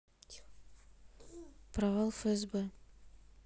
провал фсб